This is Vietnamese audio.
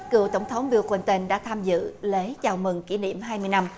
cựu tổng thống biu cờ lin tơn đã tham dự lễ chào mừng kỷ niệm hai mươi năm